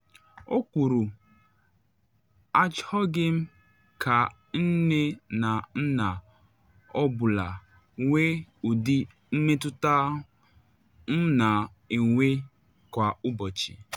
O kwuru “achọghị m ka nne na nna ọ bụla nwee ụdị mmetụta m na enwe kwa ụbọchị,”.